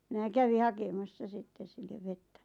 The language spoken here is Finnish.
minä kävin hakemassa sitten sille vettä